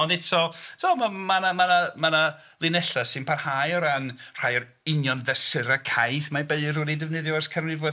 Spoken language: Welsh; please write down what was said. Ond eto tibod ma' 'na ma' 'na ma' 'na linellau sy'n parhau o ran rhai o'r union fesurau caeth mae beirdd wedi defnyddio ers canrifoedd.